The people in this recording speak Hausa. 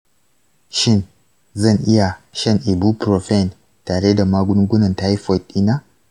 shin zan iya shan ibuprofen tare da magungunan taifoid dina?